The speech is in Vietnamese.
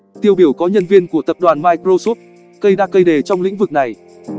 tiêu biểu có nhân viên của tập đoàn microsoft cây đa cây đề trong lĩnh vực này